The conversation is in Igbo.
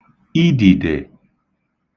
idìdè